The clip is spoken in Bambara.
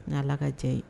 N' ala ka diya ye